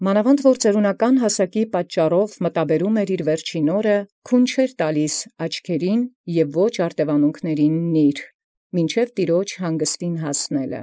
Մանաւանդ զի և զմտաւ իսկ ածէր ըստ ծերունական հասակին զաւր վախճանին, չտայր քուն աչաց և ոչ նիրհ արտևանաց՝ մինչև հասանել ի հանգիստն Տեառն։